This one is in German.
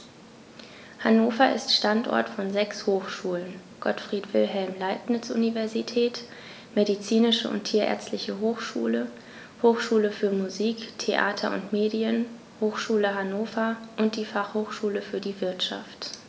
Hannover ist Standort von sechs Hochschulen: Gottfried Wilhelm Leibniz Universität, Medizinische und Tierärztliche Hochschule, Hochschule für Musik, Theater und Medien, Hochschule Hannover und die Fachhochschule für die Wirtschaft.